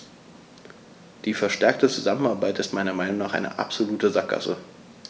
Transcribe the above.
Die verstärkte Zusammenarbeit ist meiner Meinung nach eine absolute Sackgasse.